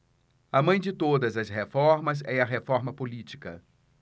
a mãe de todas as reformas é a reforma política